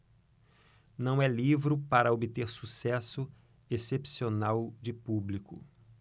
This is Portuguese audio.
não é livro para obter sucesso excepcional de público